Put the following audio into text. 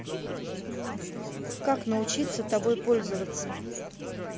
как научиться тобой пользоваться